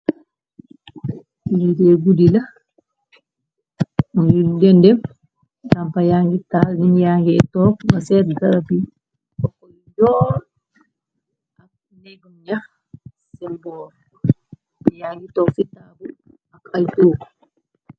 Ledee guddi la am yu dendet lampa yangi taal neet yangey tonke de seet garab yi boko yu njoor ak neggu ñax sen boor yangi tonke se taabul ak aye toogu.